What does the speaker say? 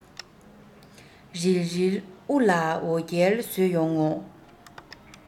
རིལ རིལ དབུ ལ འོ རྒྱལ བཟོས ཡོང ངོ